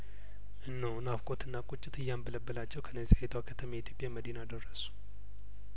እነሆ ናፍቆትና ቁጭት እያንበለበላቸው ከነጻይቷ ከተማ የኢትዮጵያ መዲና ደረሱ